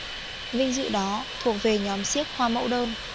vinh dự đó thuộc về nhóm xiếc hoa mẫu đơn